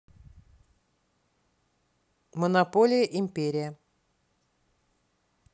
монополия империя